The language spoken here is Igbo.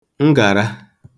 ngàra